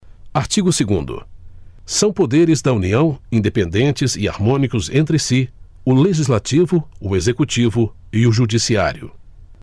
artigo segundo são poderes da união independentes e harmônicos entre si o legislativo o executivo e o judiciário